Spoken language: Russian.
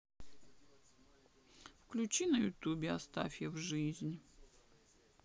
включи на ютубе астафьев жизнь